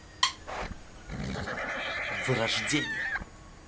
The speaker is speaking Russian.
вырождение